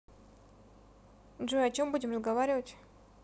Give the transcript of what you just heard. джой о чем будем разговаривать